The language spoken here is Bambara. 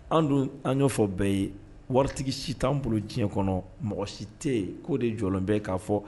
An dun an' fɔ bɛɛ ye waritigi si t'an bolo diɲɛ kɔnɔ mɔgɔ si tɛ koo de jɔ bɛ k'a fɔ